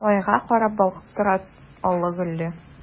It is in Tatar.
Айга карап балкып тора аллы-гөлле!